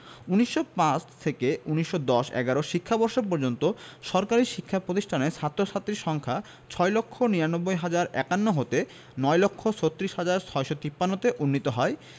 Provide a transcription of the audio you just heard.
১৯০৫ থেকে ১৯১০ ১১ শিক্ষাবর্ষ পর্যন্ত সরকারি শিক্ষা প্রতিষ্ঠানের ছাত্র ছাত্রীদের সংখ্যা ৬ লক্ষ ৯৯ হাজার ৫১ হতে ৯ লক্ষ ৩৬ হাজার ৬৫৩ তে উন্নীত হয়